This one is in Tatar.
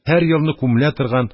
Һәр елны күмелә торган,